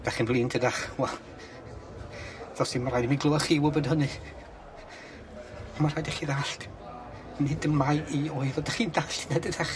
'Dach chi'n flin, tydach? Wel, do's di'm raid i mi glywad chi i wbod hynny, on' ma' rhaid i chi ddallt, nid 'ym mai i oedd o, 'dych chi'n dallt 'ne dydach?